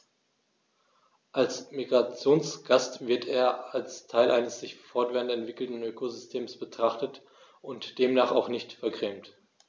Als Migrationsgast wird er als Teil eines sich fortwährend entwickelnden Ökosystems betrachtet und demnach auch nicht vergrämt.